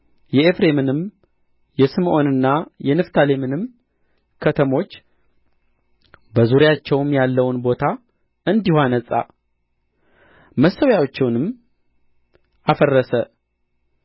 የኤፍሬምንም የስምዖንና የንፍታሌምንም ከተሞች በዙሪያቸውም ያለውን ቦታ እንዲሁ አነጻ መሠዊያዎቹንም አፈረሰ